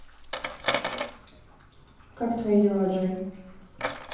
как твои дела джой